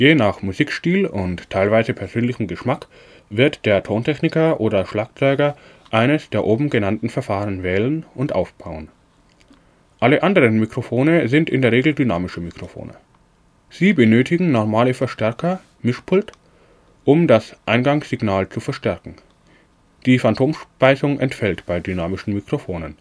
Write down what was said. nach Musikstil und teilweise persönlichem Geschmack wird der Tontechniker oder Schlagzeuger eines der oben genannten Verfahren wählen und aufbauen. Alle anderen Mikrofone sind in der Regel dynamische Mikrofone. Sie benötigen normale Verstärker (Mischpult), um das Eingangssignal zu verstärken, die Phantomspeisung entfällt bei dynamischen Mikrofonen